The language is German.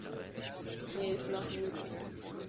Mir ist nach Nudeln.